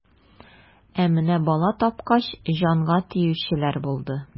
Ә менә бала тапкач, җанга тиючеләр булды.